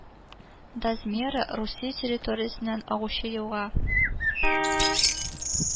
Дозмера Русия территориясеннән агучы елга